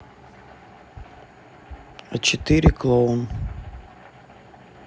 а четыре клоун